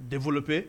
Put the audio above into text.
Den fɔlɔ tɛ